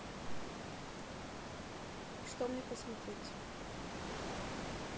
что мне посмотреть